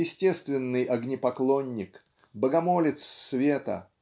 естественный огнепоклонник богомолец света